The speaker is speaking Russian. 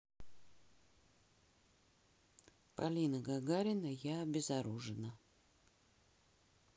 полина гагарина я обезоружена